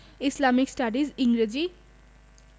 Islamic studies ইংরেজি